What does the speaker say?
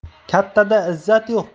kattada izzat yo'q